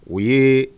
U ye